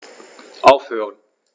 Aufhören.